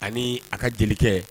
Ani a ka jelikɛ